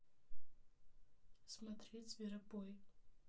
смотреть зверопой